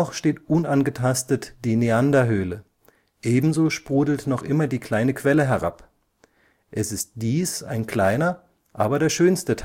steht unangetastet die Neanderhöhle, ebenso sprudelt noch immer die kleine Quelle herab. Es ist dies ein kleiner, aber der schönste